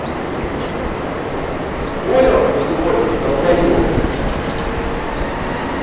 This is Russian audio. понял что ты очень долбоеб